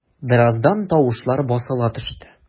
Бераздан тавышлар басыла төште.